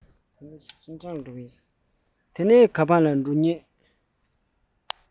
དེ ནས ག པར ཕེབས མཁན ཡིན པྰ